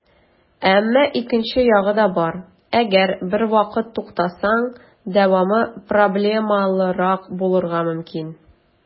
Әмма икенче ягы да бар - әгәр бервакыт туктасаң, дәвамы проблемалырак булырга мөмкин.